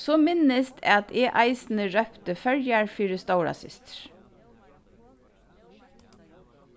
so minnist at eg eisini rópti føroyar fyri stórasystir